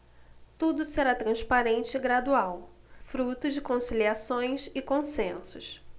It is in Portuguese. tudo será transparente e gradual fruto de conciliações e consensos